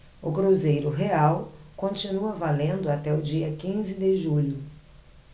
o cruzeiro real continua valendo até o dia quinze de julho